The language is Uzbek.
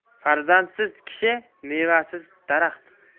farzandsiz kishi mevasiz daraxt